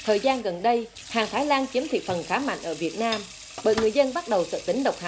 thời gian gần đây hàng thái lan chiếm thị phần khá mạnh ở việt nam bởi người dân bắt đầu sợ tính độc hại